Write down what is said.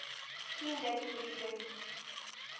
Ким дә түгел идем.